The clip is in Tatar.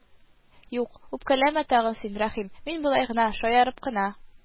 Юк, үпкәләмә тагын син, Рәхим, мин болай гына, шаярып кына